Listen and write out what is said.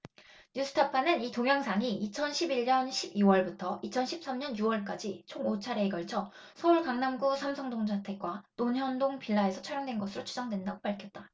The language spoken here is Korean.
뉴스타파는 이 동영상이 이천 십 일 년 십 이 월부터 이천 십 삼 년 유 월까지 총 오 차례에 걸쳐 서울 강남구 삼성동 자택과 논현동 빌라에서 촬영된 것으로 추정된다고 밝혔다